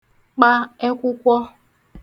kpa ẹkwụkwọ